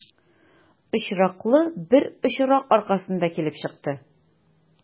Очраклы бер очрак аркасында килеп чыкты.